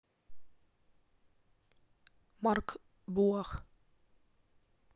марк булах